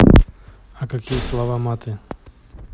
а какие слова маты